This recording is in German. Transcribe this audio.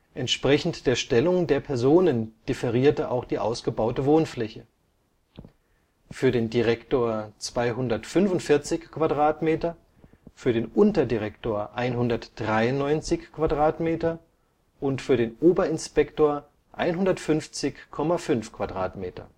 Entsprechend der Stellung der Personen differierte auch die ausgebaute Wohnfläche; für den Direktor 245 m², für den Unterdirektor 193 m² und für den Oberinspektor 150,5 m²